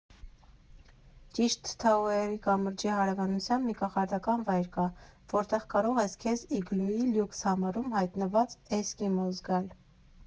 Ճիշտ Թաուերի կամրջի հարևանությամբ մի կախարդական վայր կա, որտեղ կարող ես քեզ իգլուի լյուքս համարում հայտնված էսկիմոս զգալ։